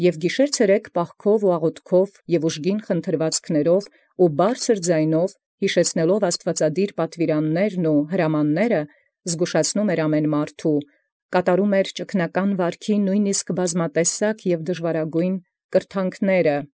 Եւ զցայգ և զցերեկ պահաւք և աղաւթիւք և ուժգին խնդրուածովք և բարձրագոյն բարբառովք՝ զաստուածադիր պատուիրանացն, հրամանս յուշ առնելով՝ զգուշացուցանէր ամենայն մարդոյ, մինչև բազմագոյնս և զդժուարագոյն վարուց կրթութիւնս.